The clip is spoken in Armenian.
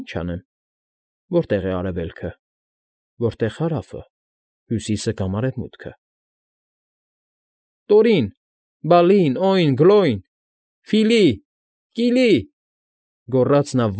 Ի՞նչ անեմ… Որտե՞ղ է արևելքը, որտեղ՝ հարավը, հյուսիսը կամ արևմուտքը…»։ ֊ Տորին, Բալին, Օյն, Գյոլն, Ֆիլի, Կիլի,֊ գոռաց նա։